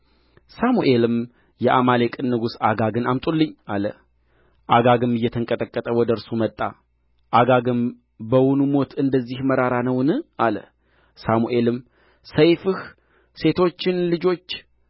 ሳሙኤልም ከሳኦል በኋላ ተመለሰ ሳኦልም ለእግዚአብሔር ሰገደ ሳሙኤልም የአማሌቅን ንጉሥ አጋግን አምጡልኝ አለ አጋግም እየተንቀጠቀጠ ወደ እርሱ መጣ አጋግም በውኑ ሞት እንደዚህ መራራ ነውን አለ ሳሙኤልም ሰይፍህ ሴቶችን ልጆች